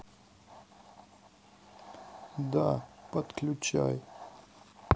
да подключай